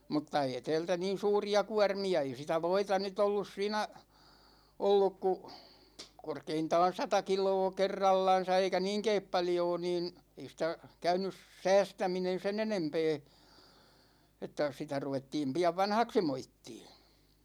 mutta ei täältä niin suuria kuormia ei sitä voita nyt ollut siinä ollut kuin korkeintaan sata kiloa kerrallansa eikä niinkään paljoa niin ei sitä käynyt säästäminen sen enempää että sitä ruvettiin pian vanhaksi moittimaan